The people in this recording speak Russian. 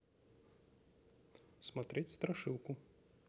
смотреть страшилку